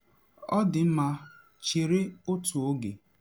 Ọ dị mma, chere otu oge.